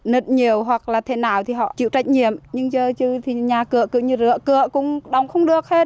nứt nhiều hoặc là thế nào thì họ chịu trách nhiệm nhưng giờ chừ thì nhà cứ như rứa của cũng đóng không được hết